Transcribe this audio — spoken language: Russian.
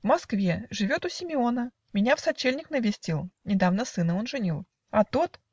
- "В Москве, живет у Симеона; Меня в сочельник навестил; Недавно сына он женил. Х А тот.